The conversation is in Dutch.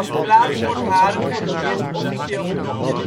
plaats wordt Haren voor het eerst officieel genoemd in